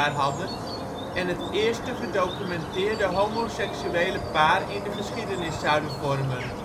hadden en het eerste gedocumenteerde homoseksuele paar in de geschiedenis zouden vormen